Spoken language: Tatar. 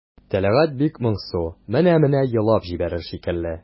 Тәлгать бик моңсу, менә-менә елап җибәрер шикелле.